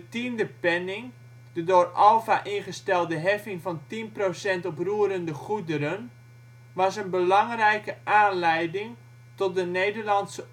Tiende Penning, de door Alva ingestelde heffing van 10 % op roerende goederen, was een belangrijke aanleiding tot de Nederlandse